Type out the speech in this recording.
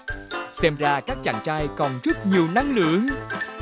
xem ra các chàng trai còn rất nhiều năng lượng